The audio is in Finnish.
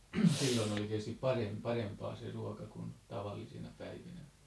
silloin oli tietysti parempaa se ruoka kuin tavallisina päivinä